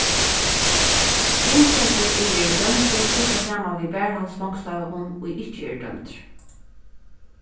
innsettir ið eru dømdir sita saman við varðhaldsfongslaðum ið ikki er dømdir